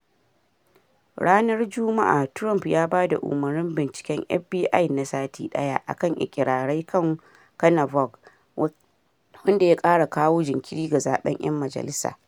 Ranar Juma’a, Trump ya bada umarnin binciken FBI na sati daya, akan ikirarai kan Kavanaugh, wanda ya kara kawo jinkiri ga zaben Yan Majalisa.